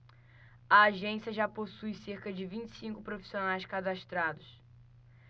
a agência já possui cerca de vinte e cinco profissionais cadastrados